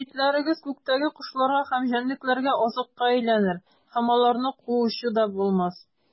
Мәетләрегез күктәге кошларга һәм җәнлекләргә азыкка әйләнер, һәм аларны куучы да булмас.